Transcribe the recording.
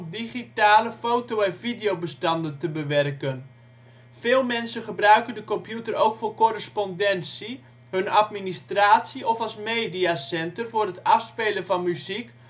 digitale foto - en videobestanden te bewerken. Veel mensen gebruiken de computer ook voor correspondentie, hun administratie of als mediacenter voor het afspelen van muziek